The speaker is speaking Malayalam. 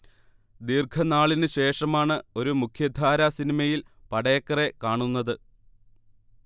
ദീർഘനാളിന്ശേഷമാണ് ഒരു മുഖ്യധാര സിനിമയിൽ പടേക്കറെ കാണുന്നത്